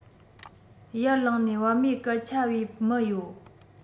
ཡར ལངས ནས བད མེད སྐད ཆ པའི མི ཡོད